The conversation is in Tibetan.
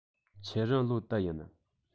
ཁྱེད རང ལོ དུ ཡིན